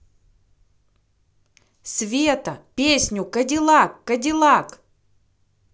sveta песню кадиллак cadillac